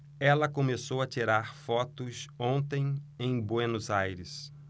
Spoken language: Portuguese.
ela começou a tirar fotos ontem em buenos aires